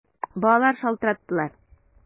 Балалар шалтыраттылар!